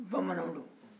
bamananw don